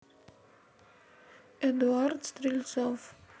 эдуард стрельцов